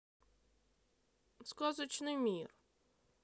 сказочный мир